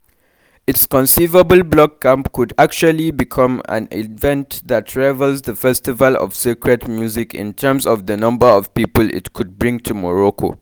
It's conceivable Blog Camp could actually become an event that rivals The Festival of Sacred Music in terms of the number of people it could bring to Morocco.